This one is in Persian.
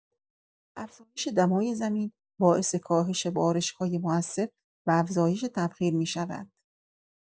افزایش دمای زمین باعث کاهش بارش‌های مؤثر و افزایش تبخیر می‌شود.